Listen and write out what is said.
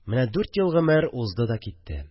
Менә дүрт ел гомер узды да китте